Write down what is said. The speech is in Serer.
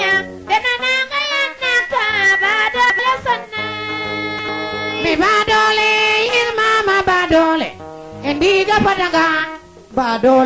projet nene koy maxey nanan kam xa yenga xene rek i mexey nanan teen ndaaa andaame initiative fa mbaax a saqu yo pour saate fee andaame baa mbadiin na rek xana moƴo leer